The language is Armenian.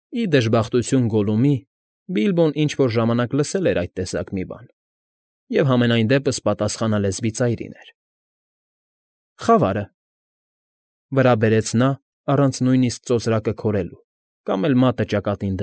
Ի դժբախտություն Գոլլումի, Բիլբոն ինչ֊որ ժամանակ լսել էր այս տեսակ մի բան, և համենայն դեպս պատասխանը լեզվի ծայրին էր. ֊ Խավարը,֊ վրա բերեց նա, առանց նույնիսկ ծոծրակը քորելու կամ էլ մատը ճակատին։